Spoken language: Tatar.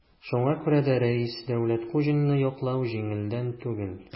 Шуңа күрә дә Рәис Дәүләткуҗинны яклау җиңелдән түгел.